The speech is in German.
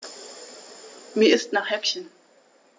Mir ist nach Häppchen.